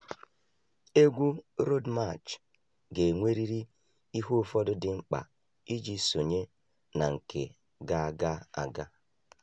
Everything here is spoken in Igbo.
Egwu Road March ga-enwerịrị ihe ụfọdụ dị mkpa iji sonye na nke ga-aga aga: